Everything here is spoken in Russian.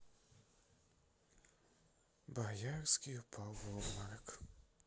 боярский упал в обморок